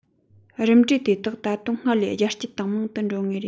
རིམ གྲས དེ དག ད དུང སྔར ལས རྒྱ སྐྱེད དང མང དུ འགྲོ ངེས རེད